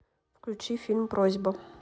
включи фильм просьба